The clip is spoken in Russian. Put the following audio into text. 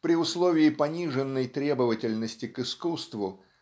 при условии пониженной требовательности к искусству